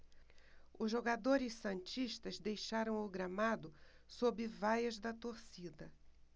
os jogadores santistas deixaram o gramado sob vaias da torcida